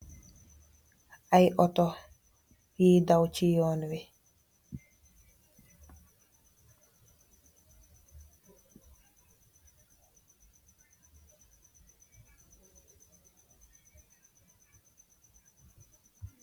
Ay auto yui daw siyon wi.